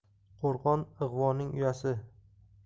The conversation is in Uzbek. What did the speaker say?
qo'rg'on ig'voning uyasi